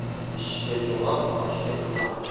ishga cho'loq oshga qo'noq